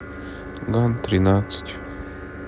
ган тринадцать